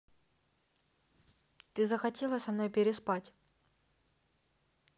ты захотела со мной переспать